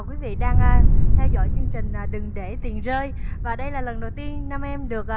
quý vị đang a theo dõi chương trình à đừng để tiền rơi và đây là lần đầu tiên nam em được